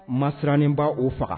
Masiranin b'o faga